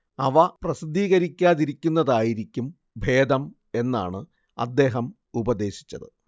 അവ പ്രസിദ്ധീകരിക്കാതിരിക്കുന്നതായിരിക്കും ഭേദം എന്നാണ് അദ്ദേഹം ഉപദേശിച്ചത്